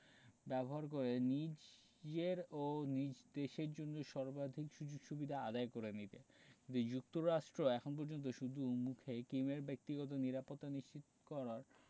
ব্যবহার করে নিজের ও নিজ দেশের জন্য সর্বাধিক সুযোগ সুবিধা আদায় করে নিতে দি যুক্তরাষ্ট্র এখন পর্যন্ত শুধু মুখে কিমের ব্যক্তিগত নিরাপত্তা নিশ্চিত করার